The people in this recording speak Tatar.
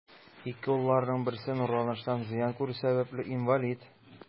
Ике улларының берсе нурланыштан зыян күрү сәбәпле, инвалид.